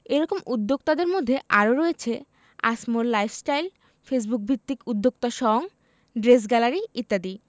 এ রকম উদ্যোক্তাদের মধ্যে আরও রয়েছে আসমোর লাইফস্টাইল ফেসবুকভিত্তিক উদ্যোক্তা সঙ ড্রেস গ্যালারি ইত্যাদি